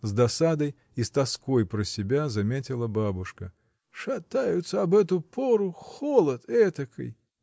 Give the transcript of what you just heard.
— с досадой и с тоской про себя заметила бабушка, — шатаются об эту пору: холод эдакой.